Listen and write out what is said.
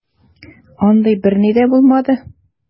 Андый берни дә булмады.